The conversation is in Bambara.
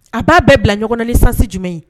A b'a bɛɛ bila ɲɔgɔnanisansi jumɛn ye